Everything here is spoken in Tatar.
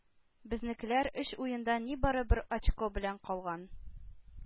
Безнекеләр өч уенда нибары бер очко белән калган.